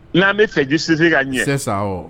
N'an bɛ fɛ justice ka ɲɛ c'est sa awɔ.